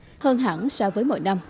hơn hẳn so với mọi năm